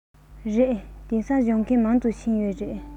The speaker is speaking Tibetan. རེད དེང སང སྦྱོང མཁན མང དུ ཕྱིན ཡོད རེད